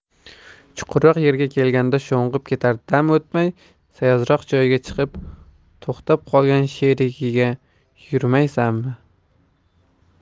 chuqurroq yerga kelganda sho'ng'ib ketar dam o'tmay sayozroq joyga chiqib to'xtab qolgan sherigiga yurmaysanmi